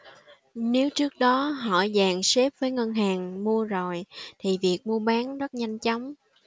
nếu trước đó họ dàn xếp với ngân hàng mua rồi thì việc mua bán rất nhanh chóng